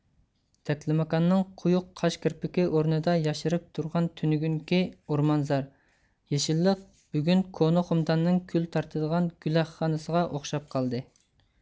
تەكلىماكاننىڭ قويۇق قاش كىرپىكى ئورنىدا ياشىرىپ تۇرغان تۈنۈگۈنكى ئورمانزار يېشىللىق بۈگۈن كونا خۇمداننىڭ كۈل تارتىدىغان گۈلەخخانىسىغا ئوخشاپ قالدى